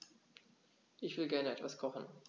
Ich will gerne etwas kochen.